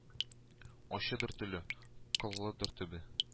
Ачыдыр теле, кыллыдыр төбе